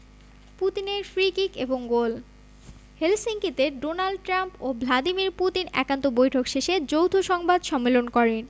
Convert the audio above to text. পুতিনের free kick এবং goal হেলসিঙ্কিতে ডোনাল্ড ট্রাম্প ও ভ্লাদিমির পুতিন একান্ত বৈঠক শেষে যৌথ সংবাদ সম্মেলন করেন